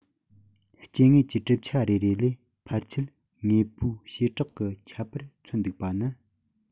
སྐྱེ དངོས ཀྱི གྲུབ ཆ རེ རེ ལས ཕལ ཆེར དངོས པོའི བྱེ བྲག གི ཁྱད པར མཚོན འདུག པ ནི